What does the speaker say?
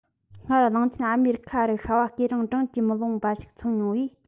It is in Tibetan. སྔར གླིང ཆེན ཨ མེ རི ཁ རུ ཤྭ བ སྐེ རིང བགྲངས ཀྱིས མི ལོངས པ ཞིག འཚོ མྱོང བས